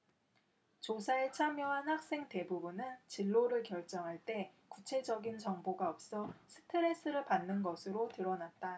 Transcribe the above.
조사에 참여한 학생 대부분은 진로를 결정할 때 구체적인 정보가 없어 스트레스를 받는 것으로 드러났다